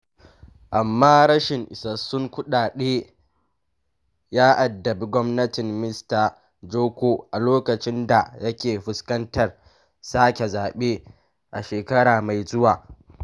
Amma rashin isassun kuɗaɗe ya addabi gwamnatin Mista Joko a loƙacin da yake fuskantar sake zaɓe a shekara mai zuwa.